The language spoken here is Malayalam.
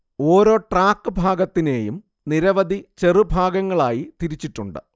ഓരോ ട്രാക്ക് ഭാഗത്തിനെയും നിരവധി ചെറു ഭാഗങ്ങളായി തിരിച്ചിട്ടുണ്ട്